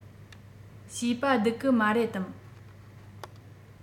བྱིས པ སྡིག གི མ རེད དམ